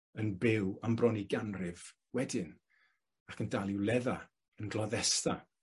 yn byw am bron i ganrif wedyn? Ac yn dal i wledda, yn gloddesta?